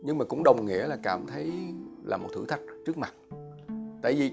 nhưng mà cũng đồng nghĩa là cảm thấy là một thử thách trước mặt tại vì